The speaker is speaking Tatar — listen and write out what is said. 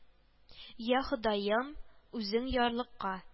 Я Ходаем, үзең ярлыка